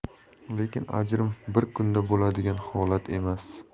lekin ajrim bir kunda bo'ladigan holat emas